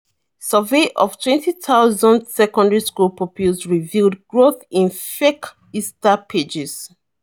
Survey of 20,000 secondary school pupils revealed growth in "fake Insta" pages